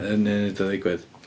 Wna i wneud o ddigwydd.